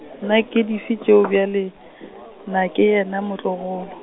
na ke dife tšeo bjale, Nakeyena motlogolo?